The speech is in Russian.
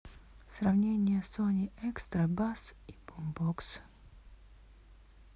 сравнение сони экстра басс и бумбокс